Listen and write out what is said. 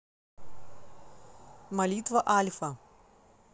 молитва альфа